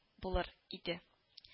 Булыр иде